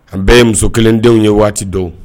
An bɛɛ ye muso kelendenw ye waati don